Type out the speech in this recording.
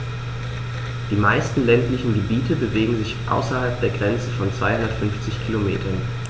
Die meisten ländlichen Gebiete bewegen sich außerhalb der Grenze von 250 Kilometern.